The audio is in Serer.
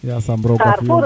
yaasam roga fi o gidim fop